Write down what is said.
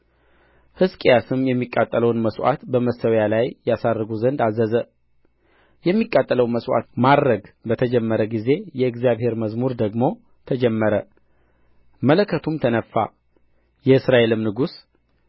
ሕዝቅያስም የሚቃጠለውን መሥዋዕት በመሠዊያው ላይ ያሳርጉ ዘንድ አዘዘ የሚቃጠለውም መሥዋዕት ማረግ በተጀመረ ጊዜ የእግዚአብሔር መዝሙር ደግሞ ተጀመረ መለከቱም ተነፋ የእስራኤልም ንጉሥ